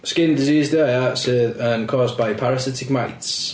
Skin disease 'di o ia sydd yn caused by parasitic mites...